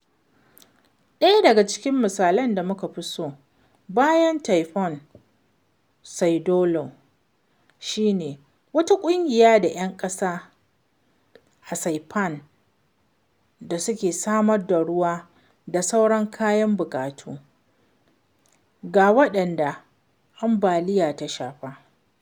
Daya daga cikin misalan da muka fi so bayan Typhoon Soudelor shi ne wata ƙungiya ta ‘yan ƙasa a Saipan da suke samar da ruwa da sauran kayan buƙatu ga waɗanda ambaliyar ta shafa.